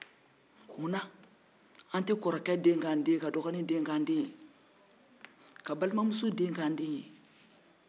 munna an tɛ kɔrɔkɛ den k'an den ye ka balimamuso den kɛ an den ka dɔgɔkɛ den kɛ an den ye